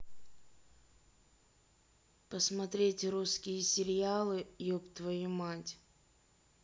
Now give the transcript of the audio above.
посмотреть русские сериалы еп твою мать